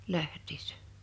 lähtiessä